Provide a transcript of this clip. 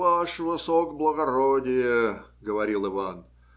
Ваше высокоблагородие, говорил Иван,